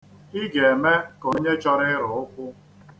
Ị ga-eme ka onye chọrọ ịrụ ụkwụ.